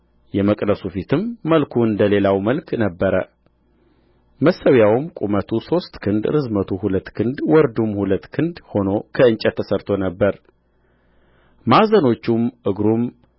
የመቅደሱ ፊትም መልኩ እንደ ሌላው መልክ ነበረ መሠዊያውም ቁመቱ ሦስት ክንድ ርዝመቱ ሁለት ክንድ ወርዱም ሁለት ክንድ ሆኖ ከእንጨት ተሠርቶ ነበር ማዕዘኖቹም እግሩም